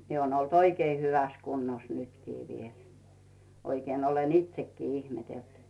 minä olen ollut oikein hyvässä kunnossa nytkin vielä oikein olen itsekin ihmetellyt